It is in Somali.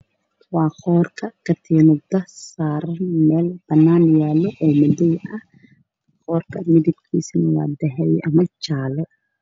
Meeshaan waxaa yaalo hal dhig oo ah dhagtaad ah oo midabkeedu yahay jaalle waxa ay saaran tahay meel madow